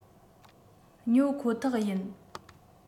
ཉོ ཁོ ཐག ཡིན